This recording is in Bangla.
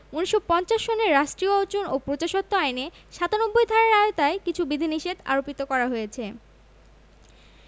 ১৯৫০ সনের রাষ্ট্রীয় অর্জন ও প্রজাস্বত্ব আইনের ৯৭ ধারার আওতায় কিছু বিধিনিষেধ আরোপিত করা হয়েছে